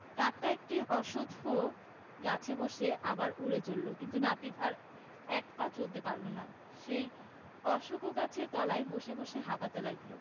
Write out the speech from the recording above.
কাকটা একটা অশ্বখ গাছে বসে আবার উড়ে চলল কিন্তু নাপিত আর এক পা চলতে পারল না সেই অশ্বখ গাছের তলায় বসে পড়ে হাঁপাতে লাগল